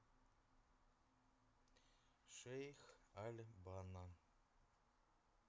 шейх аль бано